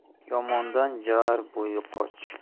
yomondan jar bo'yi qoch